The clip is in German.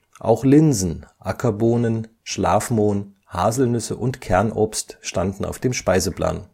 Auch Linsen, Ackerbohnen, Schlafmohn, Haselnüsse und Kernobst standen auf dem Speiseplan